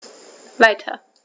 Weiter.